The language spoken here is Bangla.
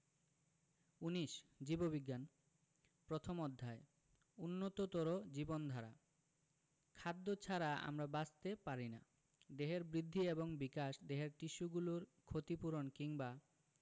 ১৯ জীববিজ্ঞান প্রথম অধ্যায় উন্নততর জীবনধারা খাদ্য ছাড়া আমরা বাঁচতে পারি না দেহের বৃদ্ধি এবং বিকাশ দেহের টিস্যুগুলোর ক্ষতি পূরণ কিংবা